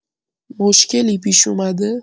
مشکلی پیش اومده؟